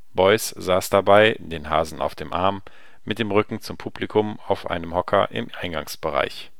Beuys saß dabei, den Hasen auf dem Arm, mit dem Rücken zum Publikum auf einem Hocker im Eingangsbereich